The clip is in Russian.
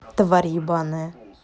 тварь ебаная